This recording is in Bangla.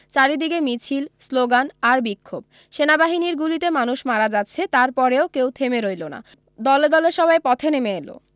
চারিদিকে মিছিল স্লোগান আর বিক্ষোভ সেনাবাহিনীর গুলিতে মানুষ মারা যাচ্ছে তারপরেও কেউ থেমে রইল না দলে দলে সবাই পথে নেমে এল